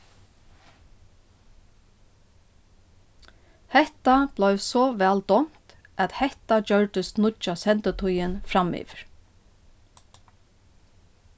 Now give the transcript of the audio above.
hetta bleiv so væl dámt at hetta gjørdist nýggja senditíðin framyvir